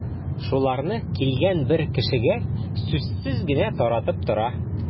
Шуларны килгән бер кешегә сүзсез генә таратып тора.